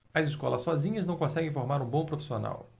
as escolas sozinhas não conseguem formar um bom profissional